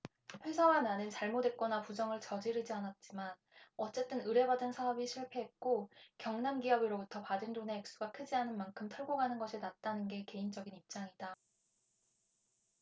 회사와 나는 잘못했거나 부정을 저지르지 않았지만 어쨌든 의뢰받은 사업이 실패했고 경남기업으로부터 받은 돈의 액수가 크지 않은 만큼 털고 가는 것이 낫다는 게 개인적인 입장이다